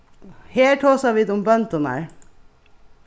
her tosa vit um bøndurnar